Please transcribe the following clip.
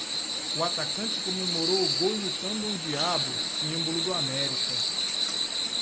o atacante comemorou o gol imitando um diabo símbolo do américa